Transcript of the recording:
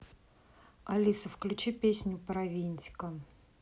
алиса включи песню про винтика